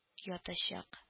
Ятачак